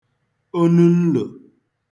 onu nlò